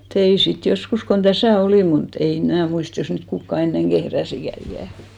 tein sitten joskus kun tässä olin mutta ei minä muista jos niitä kukaan ennen kehräsikään ikänä